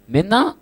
Mɛn na